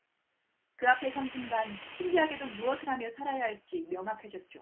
그 앞에 선 순간 신기하게도 무엇을 하며 살아야 할지 명확해졌죠